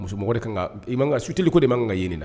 Muso i ka suelili ko de bɛ ma kan ka ɲini na